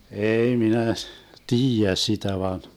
ei minä tiedä sitä vain